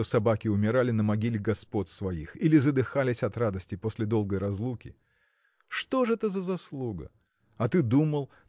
что собаки умирали на могиле господ своих или задыхались от радости после долгой разлуки. Что ж это за заслуга? А ты думал